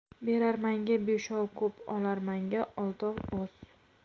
berarmanga beshov ko'p olarmanga oltov oz